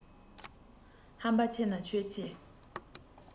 ཧམ པ ཆེ ན ཁྱོད ཆེ